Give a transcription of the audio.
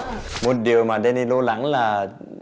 một điều mà đen ny lo lắng là